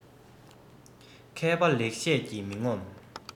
མཁས པ ལེགས བཤད ཀྱིས མི ངོམས